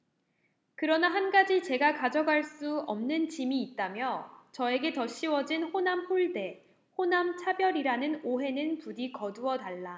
그러나 한 가지 제가 가져갈 수 없는 짐이 있다며 저에게 덧씌워진 호남홀대 호남차별이라는 오해는 부디 거두어 달라